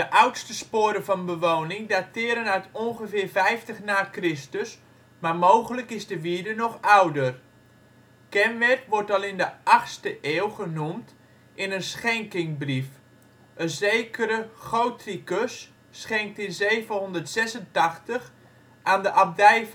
oudste sporen van bewoning dateren uit ongeveer 50 na Chr, maar mogelijk is de wierde nog ouder. Kenwerd wordt al in de 8e eeuw genoemd in een schenkingbrief: een zekere Gotricus schenkt in 786 aan de abdij